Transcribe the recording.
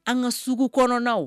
An ka sugu kɔnɔnaw